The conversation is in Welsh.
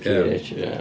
Ci rich. Ia.